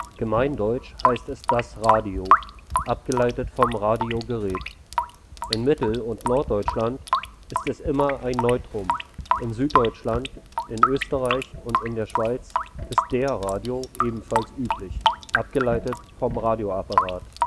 Gemeindeutsch heißt es das Radio, abgeleitet vom Radiogerät. In Mittel - und Norddeutschland ist es immer ein Neutrum. In Süddeutschland, in Österreich und in der Schweiz ist der Radio ebenfalls üblich, abgeleitet vom Radioapparat